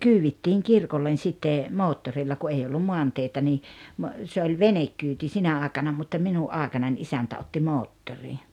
kyydittiin kirkolle sitten moottorilla kun ei ollut maanteitä niin - se oli venekyyti sinä aikana mutta minun aikanani isäntä otti moottorin